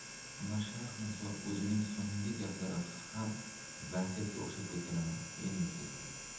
umarshayx mirzo o'zining so'nggi gaplari ham vasiyatga o'xshab ketganini endi sezdi